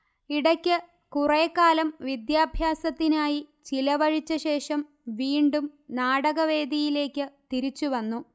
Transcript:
ഇടയ്ക്ക് കുറേക്കാലം വിദ്യാഭ്യാസത്തിനായി ചെലവഴിച്ചശേഷം വീണ്ടും നാടകവേദിയിലേക്ക് തിരിച്ചുവന്നു